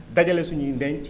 dajale suñuy ndenc